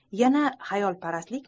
yana xayolparastlikmi